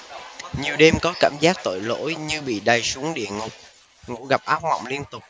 nhiều đêm có cảm giác tội lỗi như bị đày xuống địa ngục ngủ gặp ác mộng liên tục